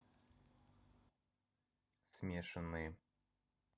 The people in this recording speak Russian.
смешанные